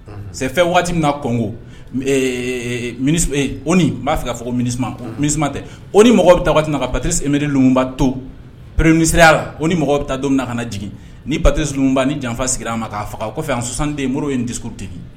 Sen waati min na kɔnko o b'a fɛ ka fɔ ko mini ko mini tɛ o ni mɔgɔ bɛ taa waati na ka patisi sɛmbriunba to preyala o ni mɔgɔ bɛ taa don na kana na jigin ni pate sununba ni janfa sigira a ma k'a faga o kɔfɛ yan sonsanden mori ye n tɛso ten